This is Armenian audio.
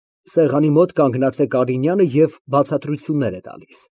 Սեղանի մոտ կանգնած է Կարինյանը և բացատրություններ է տալիս։